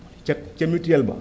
ca ca mutuelle ba